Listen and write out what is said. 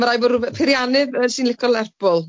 Ma' raid bod rywbeth- peiriannydd sy'n licio Lerpwl.